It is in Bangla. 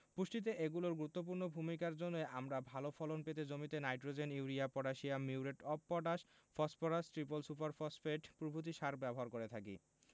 পুষ্টিতে এগুলোর গুরুত্বপূর্ণ ভূমিকার জন্যই আমরা ভালো ফলন পেতে জমিতে nitrogen urea potassium muriate of potash phosphorus triple super phosphate প্রভৃতি সার ব্যবহার করে থাকি